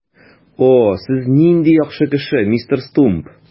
О, сез нинди яхшы кеше, мистер Стумп!